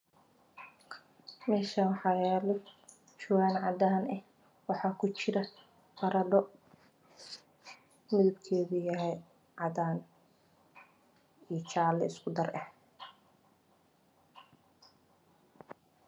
Meshaan waxaa yalo jawan cadan ah ku jira baradho midabkeedu yahay cadan iyo jaale isku dar eh